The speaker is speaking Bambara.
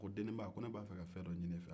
a ko deninba ko ne ba fɛ ka fɛn dɔ ɲini e fɛ